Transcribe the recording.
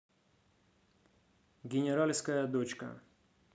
генеральская дочка